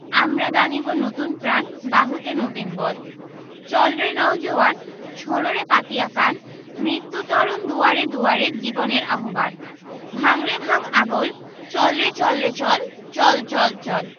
আমরা দানিব নতুন প্রাণ বাহুতে নবীন বল চল রে নও জোয়ান শোন রে পাতিয়া কান মৃত্যু তরণ দুয়ারে দুয়ারে জীবনের আহবান ভাঙ রে ভাঙ আগল চল রে চল রে চল চল চল চল